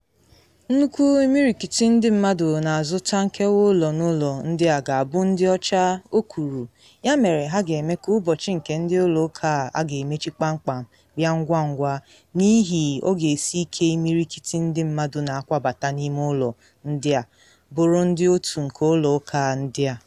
“Nnukwu imirikiti ndị mmadụ na azụta nkewa ụlọ n’ụlọ ndị a ga-abụ ndị ọcha, “o kwuru, “ya mere ha ga-eme ka ụbọchị nke ndị ụlọ ụka a ga-emechi kpamkpam bịa ngwangwa n’ihi ọ ga-esi ike imirikiti ndị mmadụ na akwabata n’ime ụlọ ndị a bụrụ ndị otu nke ụlọ ụka ndị a.”